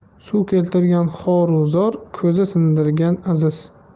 suv keltirgan xor u zor ko'za sindirgan aziz